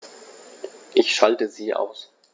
Ich schalte sie aus.